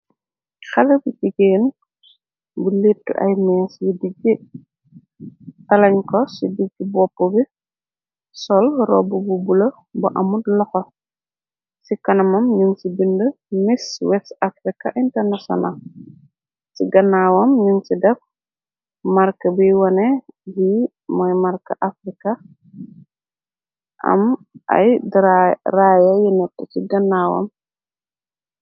Xalee bu jigéen bu latta ay mees yi diji arrange ko ci diji bopa bi sol rob bu bulo bu amut loxo ci kanamam ñun ci binda Miss West Africa International ci gannaawam ñun ci def marke boi wone bi mooy marke Africa am ay draaya yi neka ci gannaawam.